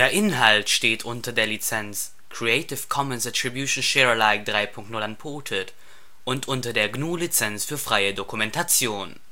Inhalt steht unter der Lizenz Creative Commons Attribution Share Alike 3 Punkt 0 Unported und unter der GNU Lizenz für freie Dokumentation